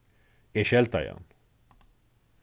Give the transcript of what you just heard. eg skeldaði hann